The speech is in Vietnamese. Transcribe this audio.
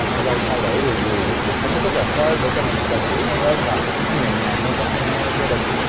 con dâu thay đổi điều gì để cho cuộc sống nó tốt đẹp hơn để cho mình gần gũi nhau hơn và nó nhẹ nhàng hơn trong gia đình hông